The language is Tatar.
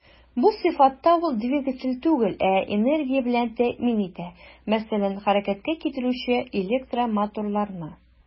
Бу сыйфатта ул двигатель түгел, ә энергия белән тәэмин итә, мәсәлән, хәрәкәткә китерүче электромоторларны.